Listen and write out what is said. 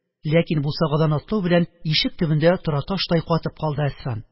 Ләкин, бусагадан атлау белән, ишек төбендә тораташтай катып калды әсфан.